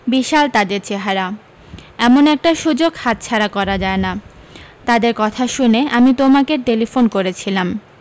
বিশাল তাদের চেহারা এমন একটা সু্যোগ হাতছাড়া করা যায় না তাদের কথা শুনে আমি তোমাকে টেলিফোন করেছিলাম